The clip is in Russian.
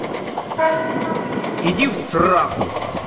иди в сраку